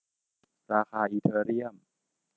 ราคาอีเธอเรียม